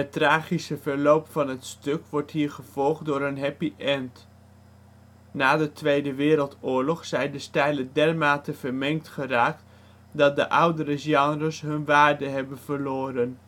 tragische verloop van het stuk wordt hier gevolgd door een happy end. Na de Tweede Wereldoorlog zijn de stijlen dermate vermengd geraakt, dat de oudere genres hun waarde hebben verloren